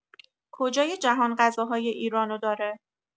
کجای جهان غذاهای ایران رو داره